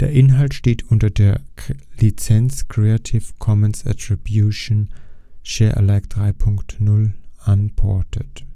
Inhalt steht unter der Lizenz Creative Commons Attribution Share Alike 3 Punkt 0 Unported